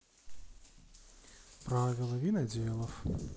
правила виноделов